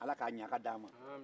ala ka ɲɛ ka d'an ma